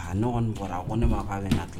A bɔra ko ne ma' bɛ nati